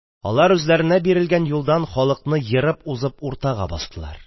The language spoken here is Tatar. Алар үзләренә бирелгән юлдан халыкны ерып узып, уртага бастылар.